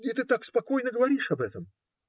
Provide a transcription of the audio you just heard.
И ты так спокойно говоришь об этом.